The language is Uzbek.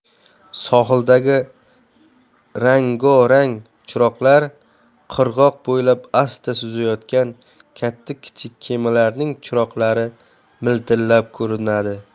sohildagi rango rang chiroqlar qirg'oq bo'ylab asta suzayotgan katta kichik kemalarning chiroqlari miltillab ko'rinadi